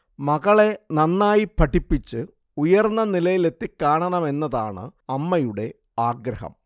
മകളെ നന്നായി പഠിപ്പിച്ച് ഉയർന്ന നിലയിലെത്തിക്കാണണമെന്നതാണ് അമ്മയുടെ ആഗ്രഹം